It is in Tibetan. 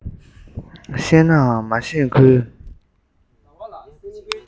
ཤེས ནའང མ ཤེས ཁུལ